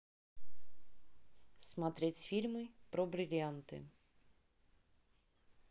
смотреть фильмы про бриллианты